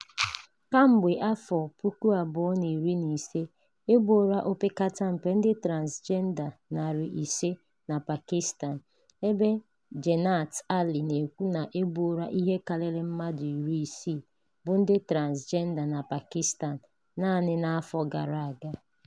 Kemgbe afọ 2015, e gbuola opekatampe ndị transịjenda 500 na Pakistan, ebe Jannat Ali na-ekwu na e gbuola ihe karịrị mmadụ 60 bụ ndị transgenda na Pakistan naanị n'afọ gara aga.